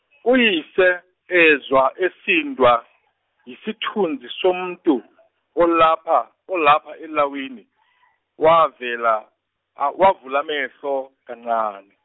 uyise ezwa esindwa yisithunzi somuntu olapha olapha elawini wavela wavula amehlo, kancane.